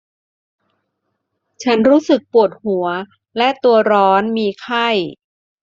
ฉันรู้สึกปวดหัวและตัวร้อนมีไข้